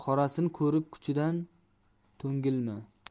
qorasin ko'rib kuchidan to'ngilma